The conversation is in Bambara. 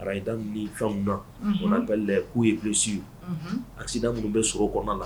Arayida kauna u ka la'u ye bilisisiww a sina minnu bɛ so kɔnɔ la